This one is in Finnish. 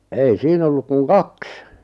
ei siinä ollut kuin kaksi